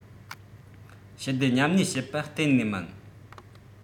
ཞི བདེ མཉམ གནས བྱེད པ གཏན ནས མིན